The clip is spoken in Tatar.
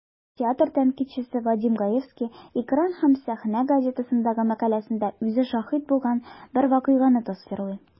Театр тәнкыйтьчесе Вадим Гаевский "Экран һәм сәхнә" газетасындагы мәкаләсендә үзе шаһит булган бер вакыйганы тасвирлый.